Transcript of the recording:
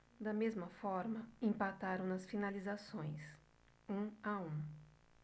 da mesma forma empataram nas finalizações um a um